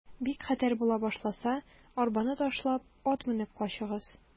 Бик хәтәр була башласа, арбаны ташлап, ат менеп качыгыз.